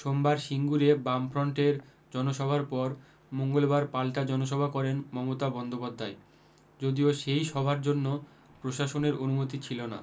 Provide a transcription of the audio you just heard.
সোমবার সিঙ্গুরে বামফর্ন্টের জনসভার পর মঙ্গলবার পাল্টা জনসভা করেন মমতা বন্দ্যোপাধ্যায় যদিও সেই সভার জন্য প্রশাসনের অনুমতি ছিলনা